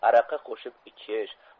aroqqa qo'shib ichish